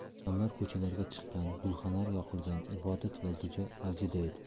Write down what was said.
odamlar ko'chalarga chiqqan gulxanlar yoqilgan ibodat va iltijo avjida edi